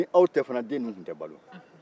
nin aw tɛ fana den ninnu tun tɛ balo